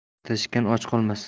tirishgan och qolmas